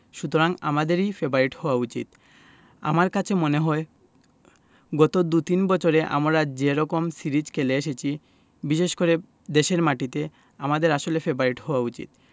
সুতরাং আমাদেরই ফেবারিট হওয়া উচিত আমার কাছে মনে হয় গত দু তিন বছরে আমরা যে রকম সিরিজ খেলে এসেছি বিশেষ করে দেশের মাটিতে আমাদের আসলে ফেবারিট হওয়া উচিত